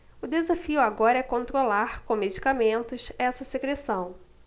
o desafio agora é controlar com medicamentos essa secreção